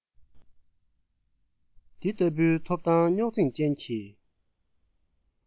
འདི ལྟ བུའི ཐོབ ཐང རྙོག འཛིང ཅན གྱི